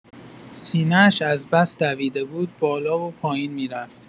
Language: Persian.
سینه‌اش از بس دویده بود بالا و پایین می‌رفت.